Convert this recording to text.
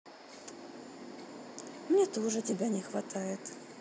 мне тоже тебя не хватает